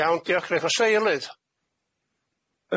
Iawn diolch Grefft os ei ylwyd.